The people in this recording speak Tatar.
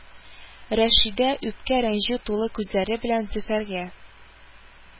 Рәшидә үпкә-рәнҗү тулы күзләре белән Зөфәргә